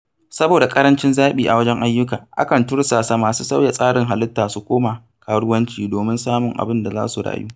Saboda ƙarancin zaɓi a wajen ayyuka, akan tursasa masu sauya tsarin halitta su koma karuwanci domin samun abin da za su rayu.